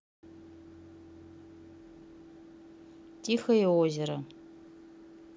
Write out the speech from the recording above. тихое озеро